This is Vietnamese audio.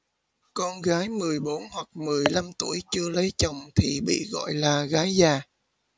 con gái mười bốn hoặc mười lăm tuổi chưa lấy chồng thì bị gọi là gái già